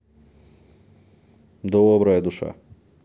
добрая душа